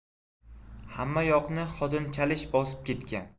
hammayoqni xotinchalish bosib ketgan